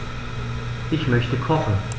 Ich möchte kochen.